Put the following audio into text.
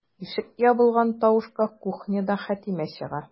Ишек ябылган тавышка кухнядан Хәтимә чыга.